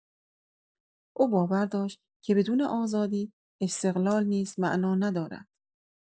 او باور داشت که «بدون آزادی، استقلال نیز معنا ندارد».